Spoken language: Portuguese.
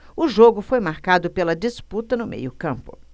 o jogo foi marcado pela disputa no meio campo